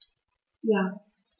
Ja.